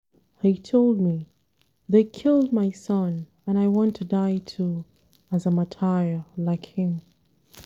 He told me: “They killed my son, and I want to die too, as a martyr, like him.